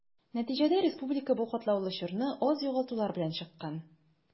Нәтиҗәдә республика бу катлаулы чорны аз югалтулар белән чыккан.